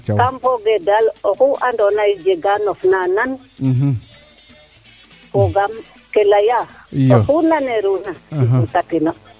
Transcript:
kam fooge daal oxu ando naye jega nof naanan fogaam kee leya oxu naaneruna nan ka tino